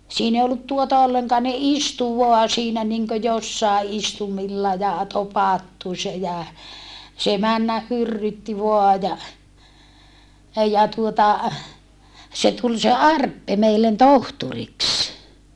siinä ei ollut tuota ollenkaan ne istui vain siinä niin kuin jossakin istuimilla ja topattu se ja se mennä hyrrytti vain ja ja tuota se tuli se Arppe meille tohtoriksi